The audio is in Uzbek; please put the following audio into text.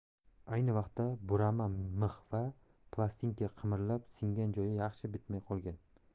ayni vaqtda burama mix va plastinka qimirlab singan joyi yaxshi bitmay qolgan